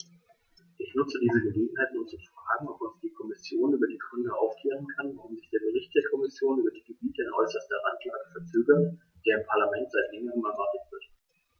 Ich nutze diese Gelegenheit, um zu fragen, ob uns die Kommission über die Gründe aufklären kann, warum sich der Bericht der Kommission über die Gebiete in äußerster Randlage verzögert, der im Parlament seit längerem erwartet wird.